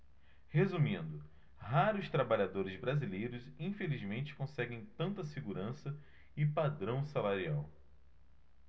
resumindo raros trabalhadores brasileiros infelizmente conseguem tanta segurança e padrão salarial